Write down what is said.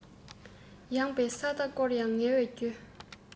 ཡངས པའི ས མཐའ བསྐོར ཡང ངལ བའི རྒྱུ